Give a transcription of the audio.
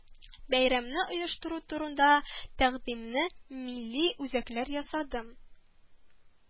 Бәйрәмне оештыру турында тәкъдимне милли үзәкләр ясады